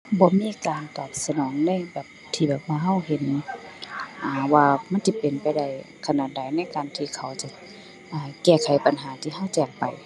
บ่มีการตอบสนองในแบบ ที่แบบว่าเราเห็น อ่า ว่ามันสิเป็นไปได้ขนาดใดในการที่เขาจะ อ่า แก้ไขปัญหาที่เราแจ้งไป